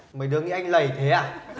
mấy đứa nghĩ anh lầy thế hả